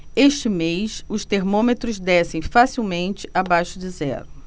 este mês os termômetros descem facilmente abaixo de zero